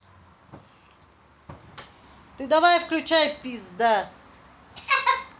ты давай включай пизда